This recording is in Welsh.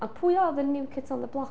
A pwy oedd y New Kids on the Block?